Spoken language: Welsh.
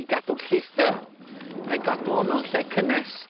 i gadw'r lleithdar a'i gadw o mewn lle cynnes